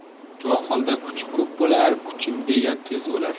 johilda kuch ko'p bo'lar kuchim degan tez o'lar